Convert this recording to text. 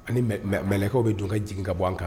A ni mɛ mɛlɛkɛw bɛ don ka jigin ka bɔ an kan.